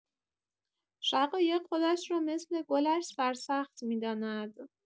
شقایق خودش را مثل گلش سرسخت می‌داند.